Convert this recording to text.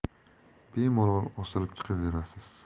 bemalol osilib chiqaverasiz